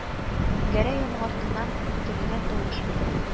Гәрәй аның артыннан үтерелгән тавыш белән: